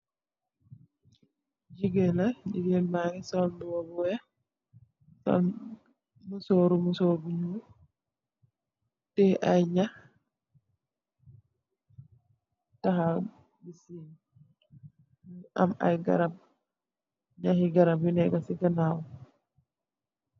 Jigéen la, jigéen baa ngi sol mbuba bu weex, musooru musóor bu ñuul, tiye ay ñaax, taxaw, am ay garab, ñaxxie garab yu neekë si ganaaw.